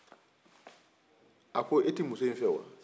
a ko i tɛ muso in fɛ wa